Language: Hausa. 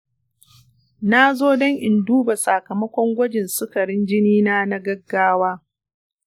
nazo don in duba sakamakon gwajin sukarin jinina na gaggawa.